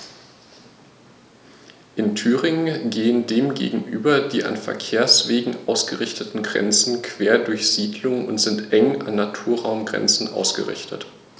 In Thüringen gehen dem gegenüber die an Verkehrswegen ausgerichteten Grenzen quer durch Siedlungen und sind eng an Naturraumgrenzen ausgerichtet.